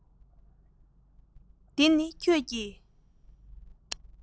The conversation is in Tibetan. འདི ནི ཁྱོད ཀྱིས